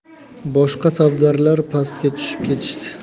boshqa savdarlar pastga tushib ketishdi